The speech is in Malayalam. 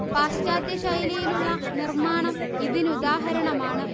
പാശ്ചാത്യ ശൈലിയിലുള്ള നിർമ്മാണം ഇതിനുദാഹരണമാണ്